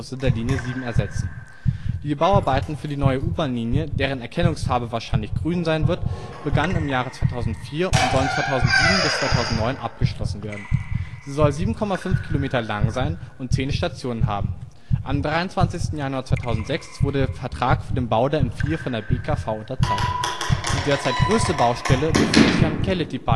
der Linie 7 ersetzen. Die Bauarbeiten für die neue U-Bahnlinie, deren Erkennungsfarbe wahrscheinlich grün sein wird, begannen im Jahr 2004 und sollen 2007 bis 2009 abgeschlossen werden. Sie soll 7,5 Kilometer lang sein und zehn Stationen haben. Am 23. Januar 2006 wurde der Vertrag für den Bau der M4 von der BKV unterzeichnet. Die derzeit größte Baustelle befindet sich am Keleti pályaudvar (Ostbahnhof